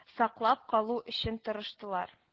Калу өчен тырыштылар